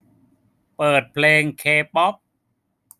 เปิดเพลงเคป๊อป